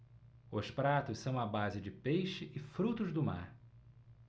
os pratos são à base de peixe e frutos do mar